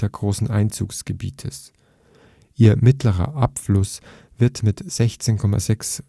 großen Einzugsgebietes. Ihr mittlerer Abfluss wird mit 16,6